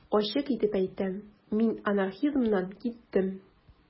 Ачык итеп әйтәм: мин анархизмнан киттем.